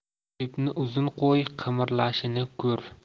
ipni uzun qo'y qimirlashini ko'r